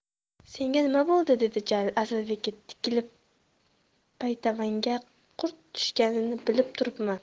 senga nima bo'ldi dedi jalil asadbekka tikilib paytavangga qurt tushganini bilib turibman